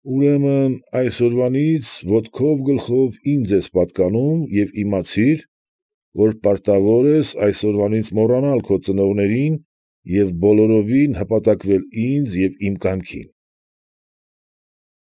Ուրեմն, այսօրվանից ոտով֊գլխով ինձ ես պատկանում և իմացիր, որ պարտավոր ես այսօրվանից մոռանալ քո ծնողներին և բոլորովին հպատակվել ինձ և իմ կամքին։